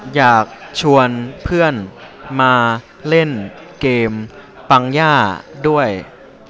อยากชวนเพื่อนมาเล่นเกมปังย่าด้วย